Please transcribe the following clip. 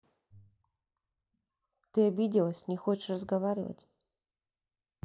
ты обиделась не хочешь разговаривать